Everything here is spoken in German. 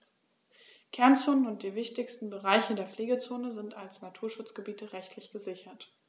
Kernzonen und die wichtigsten Bereiche der Pflegezone sind als Naturschutzgebiete rechtlich gesichert.